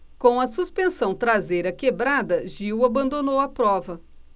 com a suspensão traseira quebrada gil abandonou a prova